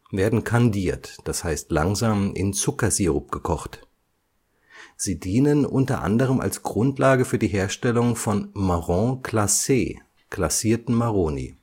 werden kandiert, das heißt langsam in Zuckersirup gekocht. Sie dienen unter anderem als Grundlage für die Herstellung von Marrons Glacés, glasierten Maroni